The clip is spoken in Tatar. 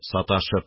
Саташып